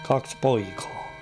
kaksi poikaa